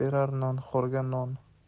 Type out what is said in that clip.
berar nonxo'rga non